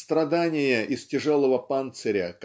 Страдание из тяжелого панциря